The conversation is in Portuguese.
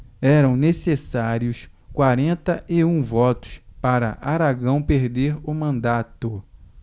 eram necessários quarenta e um votos para aragão perder o mandato